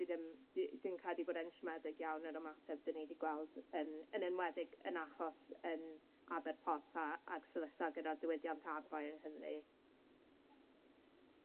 Dwi ddim d- dwi'n credu bod e'n siomedig iawn yr ymateb 'dyn ni 'di gweld yn yn enwedig yn achos yn Aberporth a ag sefyllfa gyda'r diwydiant arfer yng Nghymru.